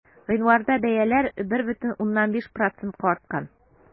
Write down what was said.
Гыйнварда бәяләр 1,5 процентка арткан.